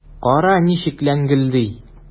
Кара, ничек ләңгелди!